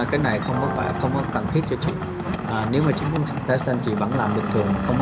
cái này không có phải không có cần thiết cho chị ờ nếu mà chị muốn xin thẻ xanh chị vẫn làm bình thường mà không